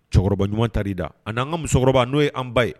Cɛkɔrɔba ɲuman ta da a'an ka musokɔrɔba n'o ye an ba ye